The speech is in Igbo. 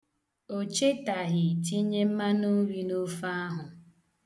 O chetaghị tinye mmanụnri n' ofe ahụ.